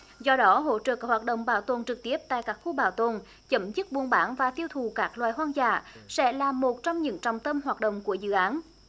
do đó hỗ trợ các hoạt động bảo tồn trực tiếp tại các khu bảo tồn chấm dứt buôn bán và tiêu thụ các loài hoang dã sẽ là một trong những trọng tâm hoạt động của dự án